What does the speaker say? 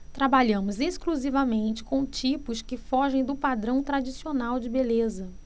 trabalhamos exclusivamente com tipos que fogem do padrão tradicional de beleza